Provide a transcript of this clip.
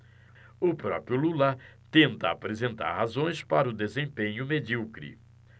o próprio lula tenta apresentar razões para o desempenho medíocre